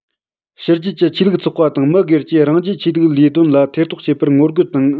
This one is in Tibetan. ཕྱི རྒྱལ གྱི ཆོས ལུགས ཚོགས པ དང མི སྒེར གྱིས རང རྒྱལ ཆོས ལུགས ལས དོན ལ ཐེ གཏོགས བྱེད པར ངོ རྒོལ དང